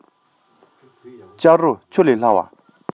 སྐྱག རོ ཆུ ལས སླ བ